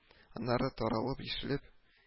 Аннары таралып-ишелеп